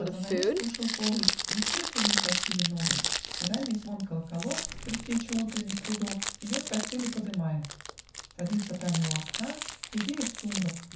Под занавескою шелковой Не спится ей в постеле новой, И ранний звон колоколов, Предтеча утренних трудов, Ее с постели подымает. Садится Таня у окна. Редеет сумрак